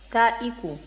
taa i ko